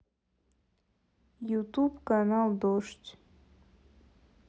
ютуб канал дождь